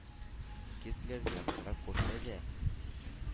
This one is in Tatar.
Гитлерны якынрак күрсә дә,